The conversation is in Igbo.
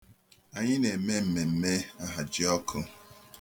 Anyị na-eme mmemme ahajiọkụ.